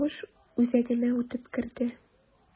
Сугыш үзәгемә үтеп керде...